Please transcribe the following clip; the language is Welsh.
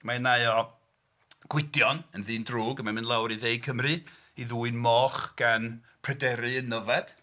Mae nai o Gwydion yn ddyn drwg mae'n mynd lawr i dde Cymru i ddwyn moch gan Pryderi yn Nyfed.